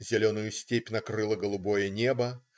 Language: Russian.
Зеленую степь накрыло голубое небо.